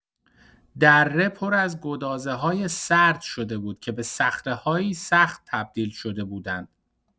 دره پر از گدازه‌های سرد شده بود که به صخره‌هایی سخت تبدیل شده بودند.